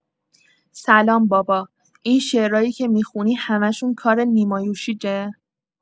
سلام بابا، این شعرایی که می‌خونی همشون کار نیما یوشیجه؟